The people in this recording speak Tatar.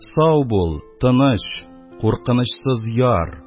Сау бул, тыныч, куркынычсыз яр!